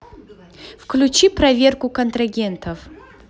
включи проверку контрагентов